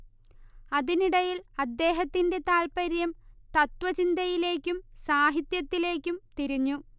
അതിനിടയിൽ അദ്ദേഹത്തിന്റെ താത്പര്യം തത്ത്വചിന്തയിലേക്കും സാഹിത്യത്തിലേക്കും തിരിഞ്ഞു